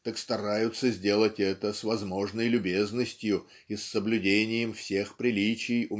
так стараются сделать это с возможной любезностью и с соблюдением всех приличий